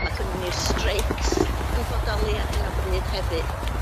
ma' gynnon ni'r streics yn bodoli ar hyn o bryd hefyd.